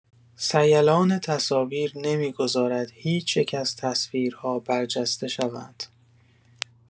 سیلان تصاویر نمی‌گذارد هیچ‌یک از تصویرها برجسته شوند.